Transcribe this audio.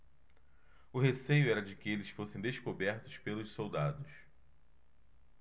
o receio era de que eles fossem descobertos pelos soldados